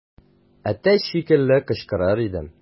Әтәч шикелле кычкырыр идем.